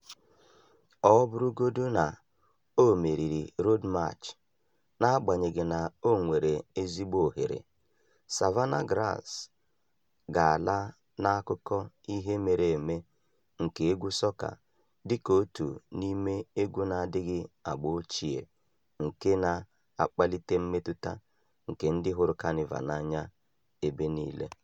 Ọ bụrụgodu na o merighị Road March (na-agbanyeghị na o nwere ezigbo ohere!), "Savannah Grass" ga-ala n'akụkọ ihe mere eme nke egwu sọka dịka otu n'ime egwu na-adịghị agba ochie nke na-akpali mmetụta nke ndị hụrụ Kanịva n'anya ebe nile.